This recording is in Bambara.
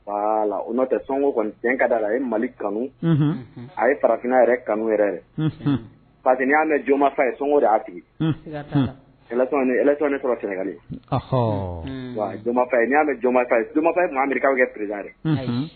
O nɔo tɛ sɔngo kɔni ka da la ye mali kanu a ye pafinina yɛrɛ kanu yɛrɛ paseke y'a mɛn jɔnmafa ye sɔnko de y aason ne sɔrɔ fgali jɔn ye jɔnmafa yeriw kɛ perezre